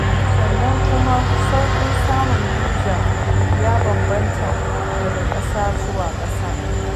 Sannan kuma sauƙin samun biza ya bambamta daga ƙasa zuwa ƙasa.